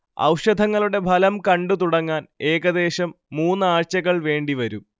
ഔഷധങ്ങളുടെ ഫലം കണ്ടുതുടങ്ങാൻ ഏകദേശം മൂന്നാഴ്ചകൾ വേണ്ടിവരും